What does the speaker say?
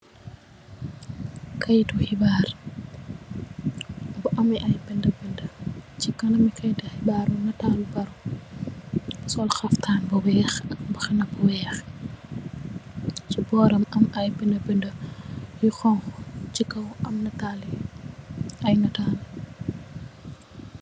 Kayiti xibaar, bu amee ay bindë bindë, ci kanamam I, kayiti xibaar, nataal lu Barrow, sol xaftaan, bu weex, mbaxana bu weex, si bóoram.. bindë bindë yu xoñxu, ay nataal.